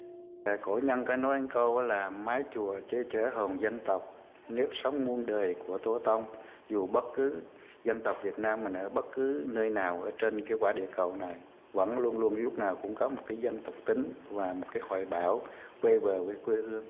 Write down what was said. ờ cổ nhân có nói một câu đó là mái chùa che chở hồn dân tộc nếp sống muôn đời của tổ tông dù bất cứ dân tộc việt nam mình ở bất cứ nơi nào ở trên cái quả địa cầu này vẫn luôn luôn lúc nào cũng có một cái dân tộc tính và một cái hoài bão quay về với quê hương